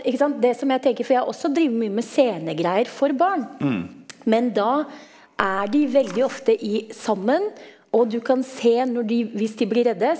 ikke sant det som jeg tenker for jeg har også drevet mye med scenegreier for barn, men da er de veldig ofte i sammen og du kan se når de hvis de blir redde.